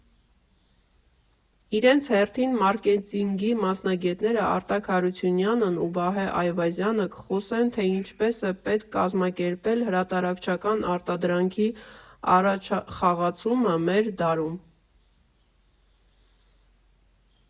Իրենց հերթին, մարկետինգի մասնագետները Արտակ Հարությունյանն ու Վահե Այվազյանը կխոսեն, թե ինչպես է պետք կազմակերպել հրատարակչական արտադրանքի առաջխղացումը մեր դարում։